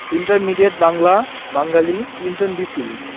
intermediate Bangla Bengali Clinton B Seely